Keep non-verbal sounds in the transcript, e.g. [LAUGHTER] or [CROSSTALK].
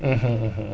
[HESITATION] [HESITATION]